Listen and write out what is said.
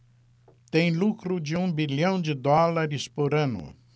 tem lucro de um bilhão de dólares por ano